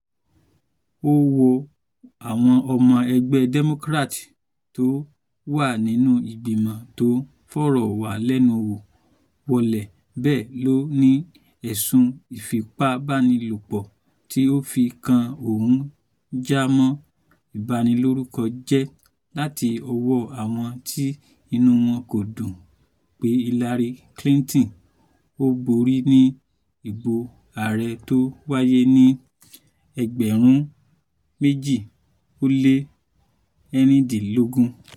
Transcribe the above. Ó wọ́ àwọn ọmọ egbẹ́ Democrat t’ọ́n wà nínú ìgbìmọ̀ tó fọ̀rọ̀walẹ́wò wọ́lẹ̀. Bẹ́ẹ̀ ló ní ẹ̀sùn ìfipábánilopò t’ọ́n fi kan òun jámọ́ “ìbanilórúkọjẹ́” láti ọwọ́ àwọn tí inú wọn ko dùn pé Hilary Clinton ‘ò borí ní ìbò ààrẹ tó wáyé ní 2016.